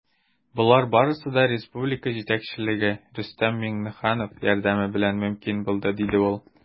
Болар барысы да республика җитәкчелеге, Рөстәм Миңнеханов, ярдәме белән мөмкин булды, - диде ул.